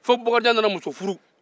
fo bokarijan nana muso furu